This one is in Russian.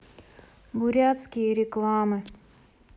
бурятские рекламы